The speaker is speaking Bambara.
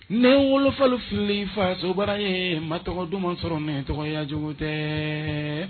Ne n wolofalofilen fasobara ye ma tɔgɔ duman sɔrɔ mɛ tɔgɔya cogo tɛ